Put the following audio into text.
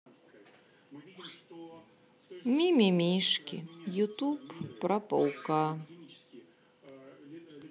мимимишки ютуб про паука